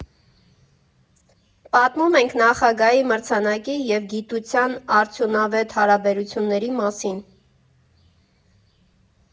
Պատմում ենք Նախագահի մրցանակի և գիտության արդյունավետ հարաբերությունների մասին։